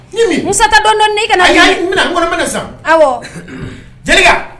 Muta dɔndɔ' ka sa aw jerika